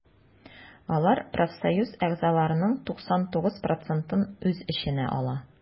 Алар профсоюз әгъзаларының 99 процентын үз эченә ала.